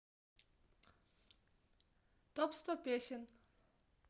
топ сто песен